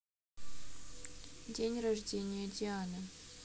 день рождения дианы